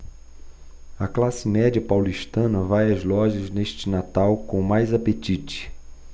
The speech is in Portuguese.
a classe média paulistana vai às lojas neste natal com mais apetite